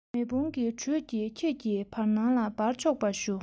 མེ དཔུང གི དྲོད ཀྱིས ཁྱེད ཀྱི བར སྣང ལ སྦར ཆོག པར ཞུ